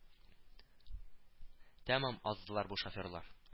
Тәмам аздылар бу шоферлар